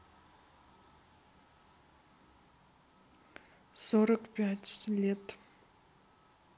сорок пять лет